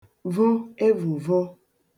vo evùvo